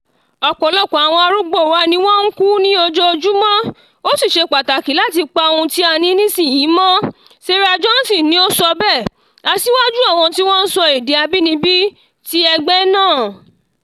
"Ọ̀pọ̀lọpọ̀ àwọn arúgbó wá ni wọ́n ń kú, ní ojoojúmọ́, ó sì ṣe pàtàkì láti pa ohun tí a ní nísinsìnyí mọ́," Sarah Johnson ni ó sọ bẹ́ẹ̀, asíwájú àwọn tí wọ́n ń sọ èdè abínibí ti Ẹgbẹ́ náà.